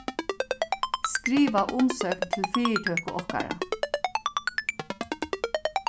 skriva umsókn til fyritøku okkara